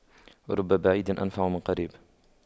رب بعيد أنفع من قريب